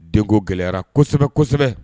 Den gɛlɛyara kosɛbɛ kosɛbɛ